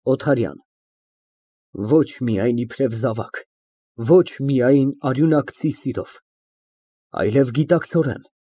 ՕԹԱՐՅԱՆ ֊ Ոչ միայն իբրև զավակ, ոչ միայն արյունակցի սիրով, այլև գիտակցորոն։